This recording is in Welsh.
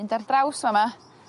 mynd ar draws fa' 'ma